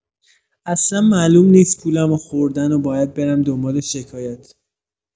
اصلان معلوم نیست پولمو خوردن و باید برم دنبال شکایت!